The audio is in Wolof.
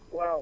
waaw